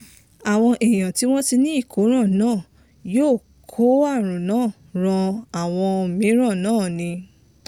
Àwọn èèyàn tí wọ́n ti ní ìkóràn náà yóò kó àrùn náà ran àwọn mìíràn náà ni.